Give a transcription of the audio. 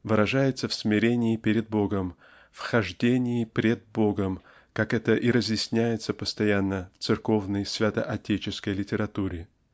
выражается в смирении перед Богом и в "хождении пред Богом" (как это и разъясняется постоянно в церковной святоотеческой литературе).